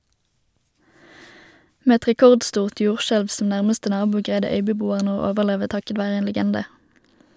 Med et rekordstort jordskjelv som nærmeste nabo, greide øybeboerne å overleve takket være en legende.